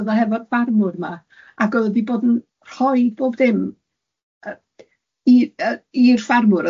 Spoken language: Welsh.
o'dd o hefo'r ffarmwr 'ma ac o'dd o 'di bod yn rhoi bob dim yy i yy i'r ffarmwr